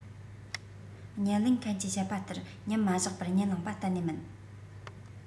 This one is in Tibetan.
བརྙན ལེན མཁན གྱིས བཤད པ ལྟར མཉམ མ བཞག པར བརྙན བླངས པ གཏན ནས མིན